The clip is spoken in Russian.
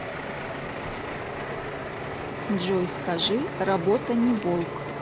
джой скажи работа не волк